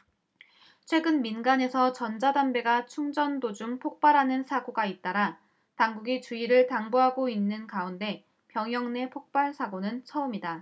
최근 민간에서 전자담배가 충전 도중 폭발하는 사고가 잇따라 당국이 주의를 당부하고 있는 가운데 병영 내 폭발 사고는 처음이다